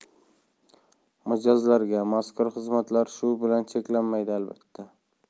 mijozlarga manzur xizmatlar shu bilan cheklanmaydi albatta